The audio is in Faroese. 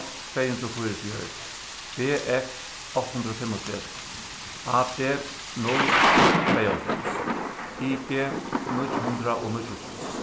tvey hundrað og fýraogfjøruti b f átta hundrað og fimmogtretivu a d null tveyoghálvfems i g níggju hundrað og níggjuogtrýss